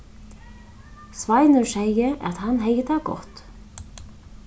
sveinur segði at hann hevði tað gott